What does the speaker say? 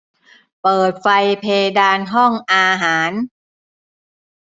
เปิดไฟเพดานห้องอาหาร